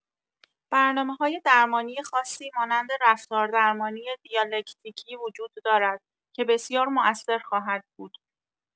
برنامه‌‌های درمانی خاصی مانند رفتاردرمانی دیالکتیکی وجود دارد که بسیار موثر خواهد بود.